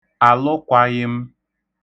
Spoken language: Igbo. àlụkwāghị̄m